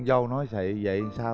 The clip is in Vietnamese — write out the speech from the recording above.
dâu nói vậy vậy sao